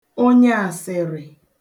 onyeàsị̀rị̀